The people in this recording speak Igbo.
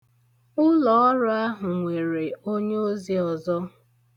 Ụlọọrụ ahụ nwere onyeozi ọzọ.